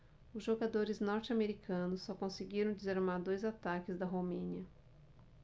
os jogadores norte-americanos só conseguiram desarmar dois ataques da romênia